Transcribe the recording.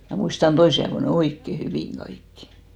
minä muistan toisin ajoin ne oikein hyvin kaikki